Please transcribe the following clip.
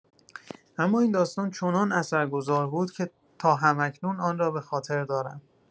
اما این داستان چنان اثرگذار بود که تا هم‌اکنون آن را به‌خاطر دارم.